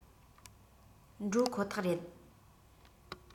འགྲོ ཁོ ཐག རེད